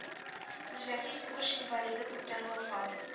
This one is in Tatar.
Мөҗәһит сугыш инвалиды күптән вафат